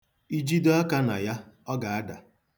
Ijido aka na ya, ọ ga-ada.